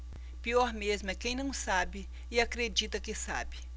pior mesmo é quem não sabe e acredita que sabe